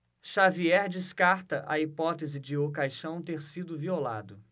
xavier descarta a hipótese de o caixão ter sido violado